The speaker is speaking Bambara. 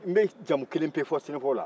n bɛ jamu kelen pewu fɔ sɛnɛfɔ la